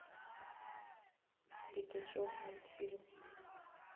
пятачок мультфильм